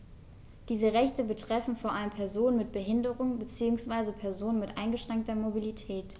Diese Rechte betreffen vor allem Personen mit Behinderung beziehungsweise Personen mit eingeschränkter Mobilität.